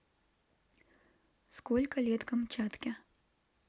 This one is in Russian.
сколько лет камчатке